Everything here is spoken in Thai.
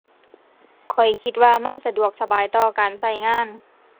ข้อยคิดว่ามันสะดวกสบายต่อการใช้งาน